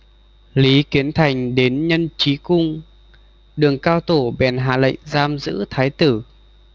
lý kiến thành đến nhân trí cung đường cao tổ bèn hạ lệnh giam giữ thái tử